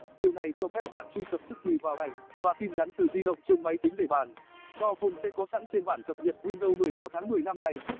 điều này cho phép bạn truy cập tức thì vào ảnh và tin nhắn từ di động trên máy tính để bàn your phone sẽ có sẵn trên bản cập nhật windows vào tháng năm nay